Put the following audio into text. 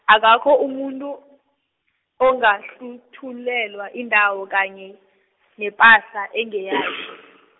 akakho umuntu, ongahluthulelwa indawo kanye, nepahla engeyakhe.